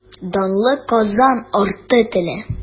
Данлы Казан арты теле.